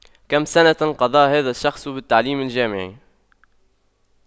كم سنة قضاها هذا الشخص بالتعليم الجامعي